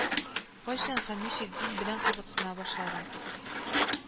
Кайчан һәм ничек дин белән кызыксына башладың